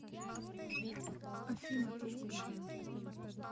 афина ты лучшая